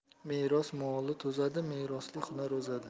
meros moli to'zadi merosli hunar o'zadi